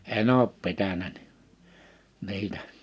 en ole pitänyt niin niitä